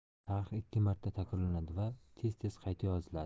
tarix ikki marta takrorlanadi va tez tez qayta yoziladi